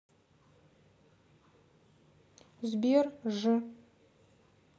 сбер ж